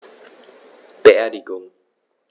Beerdigung